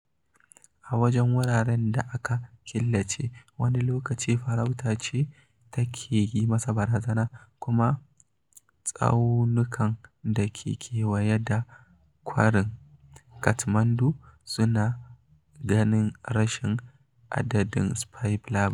A wajen wuraren da aka killace, wani lokacin farauta ce take yi masa barazana, kuma tsaunukan da ke kewaye da kwarin Kathmandu suna ganin rashin adadin Spiny Babbler.